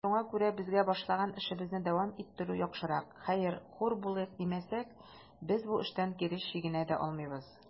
Шуңа күрә безгә башлаган эшебезне дәвам иттерү яхшырак; хәер, хур булыйк димәсәк, без бу эштән кире чигенә дә алмыйбыз.